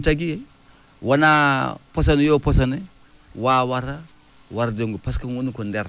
ɗum tagi wonaa posone yoo posone wawata warde ngu pasque ngu woni ko nder